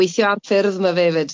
Gweitho ar ffyrdd ma' fe 'fyd.